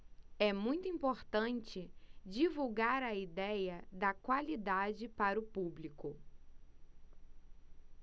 é muito importante divulgar a idéia da qualidade para o público